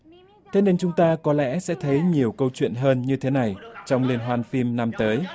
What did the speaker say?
thế nên chúng ta có lẽ sẽ thấy nhiều câu chuyện hơn như thế này trong liên hoan phim năm tới